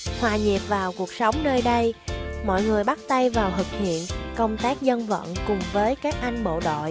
hòa nhịp vào cuộc sống nơi đây mọi người bắt tay vào thực hiện công tác dân vận cùng với các anh bộ đội